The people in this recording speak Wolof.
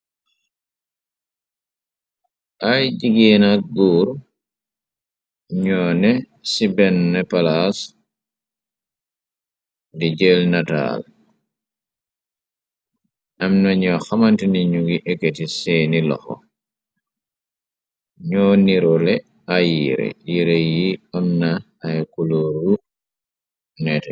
Ay jiggéenak guur ñoo ne ci benne palas di jël nataal amna ñoo xamanti ni ñu ngi eketi seeni loxo ñoo nirole ayiire yire yi omna ay kulóru net.